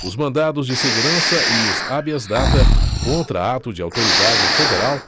os mandados de segurança e os habeas data contra ato de autoridade federal